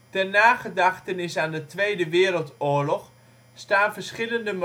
Ter nagedachtenis aan de Tweede Wereldoorlog staan verschillende